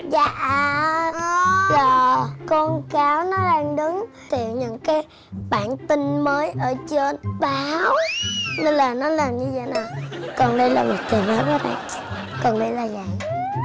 dạ là con cáo nó đang đứng thì những cái bảng tin mới ở trên báo nên là nó làm như dậy nè còn đây là một tờ báo còn đây là nhà